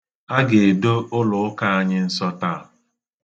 E ga-edo ụlụụka anyị nsọ taa.